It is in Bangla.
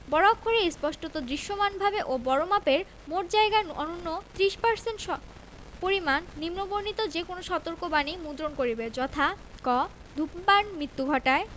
বড় অক্ষরে স্পষ্টত দৃশ্যমানভাবে ও বড়মাপে মোট জায়গার অন্যূন ৩০% শতাংশ পরিমাণ নিম্নবণিত যে কোন সতর্কবাণী মুদ্রণ করিবে যথা ক ধূমপান মৃত্যু ঘটায়